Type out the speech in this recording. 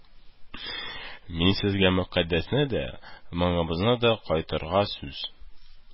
Мин сезгә Мөкаддәсне дә, моңыбызны да кайтырга сүз